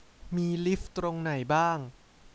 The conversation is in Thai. มีลิฟท์ตรงไหนบ้าง